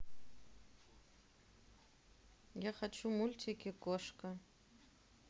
я хочу мультики кошка